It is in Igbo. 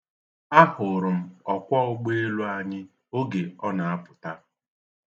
Ahụrụ m ọkwọụgbọelu anyị oge ọ na-apụta.